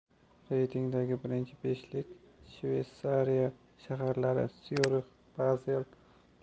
reytingdagi birinchi beshlik shveysariya shaharlari syurix